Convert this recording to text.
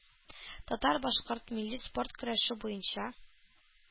Татар-башкорт милли спорт көрәше буенча